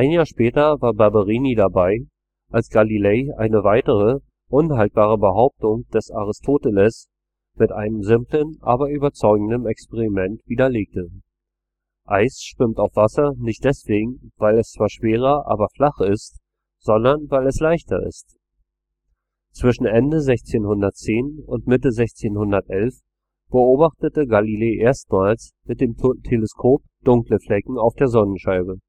Jahr später war Barberini dabei, als Galilei eine weitere, unhaltbare Behauptung des Aristoteles mit einem simplen, aber überzeugenden Experiment widerlegte: Eis schwimmt auf Wasser nicht deswegen, weil es zwar schwerer, aber flach ist, sondern weil es leichter ist. Zwischen Ende 1610 und Mitte 1611 beobachtete Galilei erstmals mit dem Teleskop dunkle Flecken auf der Sonnenscheibe